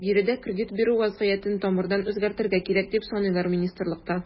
Биредә кредит бирү вәзгыятен тамырдан үзгәртергә кирәк, дип саныйлар министрлыкта.